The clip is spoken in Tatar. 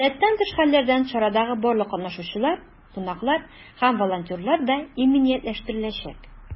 Гадәттән тыш хәлләрдән чарадагы барлык катнашучылар, кунаклар һәм волонтерлар да иминиятләштереләчәк.